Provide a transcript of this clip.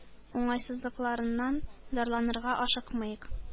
Уңайсызлыкларыннан зарланырга ашыкмыйк.